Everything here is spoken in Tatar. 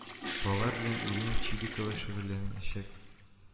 Балалар белән Ирина Чибикова шөгыльләнәчәк